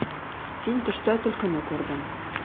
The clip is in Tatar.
Син төштә төлкене күрдең.